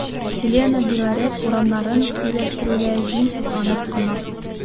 “селена” белорет урманнарын үзләштерүгә җиң сызганып тотына.